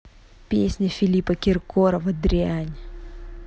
песня филиппа киркорова дрянь